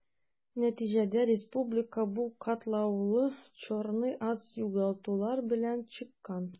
Нәтиҗәдә республика бу катлаулы чорны аз югалтулар белән чыккан.